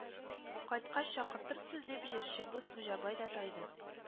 Кайткач, чакыртырсыз, дип, җырчыбыз Хуҗабай да тайды